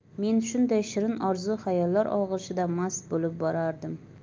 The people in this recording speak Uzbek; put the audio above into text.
men shunday shirin orzu xayollar og'ushida mast bo'lib borardim